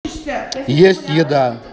есть еда